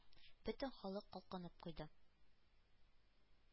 Бөтен халык калкынып куйды.